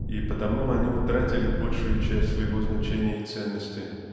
и потому они утратили большую часть своего значения и ценности